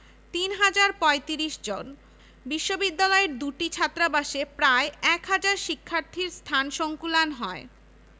এবং এর ভৌত সুবিধাদি ৩১০ একর পরিমাণ এলাকা নিয়ে বিস্তৃত বিশ্ববিদ্যালয়টি ১৪ ফেব্রুয়ারি ১৯৯১ সালে পদার্থ বিজ্ঞান